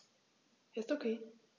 Ist OK.